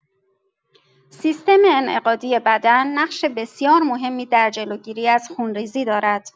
سیستم انعقادی بدن نقش بسیار مهمی در جلوگیری از خونریزی دارد.